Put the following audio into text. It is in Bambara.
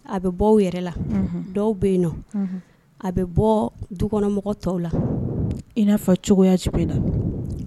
A bɛ bɔ yɛrɛ la dɔw bɛ yen a bɛ bɔ dukɔnɔmɔgɔ tɔw la i n'a fɔ cogoya jumɛn na